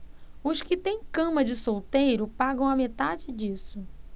os que têm cama de solteiro pagam a metade disso